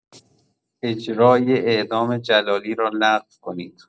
اجرای اعدام جلالی را لغو کنید.